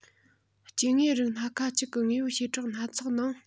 སྐྱེ དངོས རིགས སྣ ཁ གཅིག གི དངོས པོའི བྱེ བྲག སྣ ཚོགས ནང